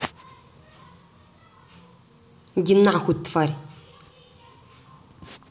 иди на хуй тварь